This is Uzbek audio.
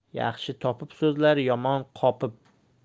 yaxshi topib so'zlar yomon qopib